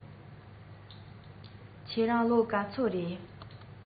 ཁྱེད རང ལོ ག ཚོད རེས